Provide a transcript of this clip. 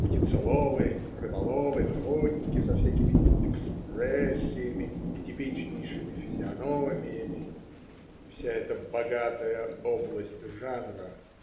Птицеловы, рыболовы, охотники со всякими экспрессиями и типичнейшими физиономиями, вся эта "богатая область жанра"